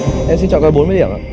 em xin chọn gói bốn mươi điểm ạ